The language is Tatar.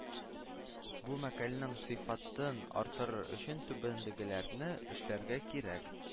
Бу мәкалънең сыйфатын артыру өчен түбәндәгеләрне эшләргә кирәк